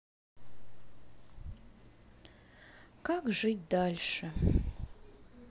как жить дальше